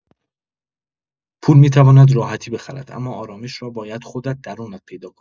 پول می‌تواند راحتی بخرد اما آرامش را باید خودت درونت پیدا کنی.